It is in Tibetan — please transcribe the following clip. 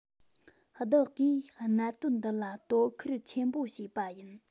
བདག གིས གནད དོན འདི ལ དོ ཁུར ཆེན པོ བྱེད པ ཡིན